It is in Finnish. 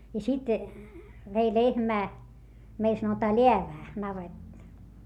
ja sitten vei lehmää meillä sanotaan läävään navetta